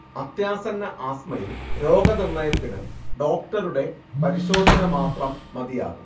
അത്യാസന്ന ആസ്മയിൽ രോഗനിർണയത്തിനു ഡോക്ടറുടെ പരിശോധന മാത്രം മതിയാകും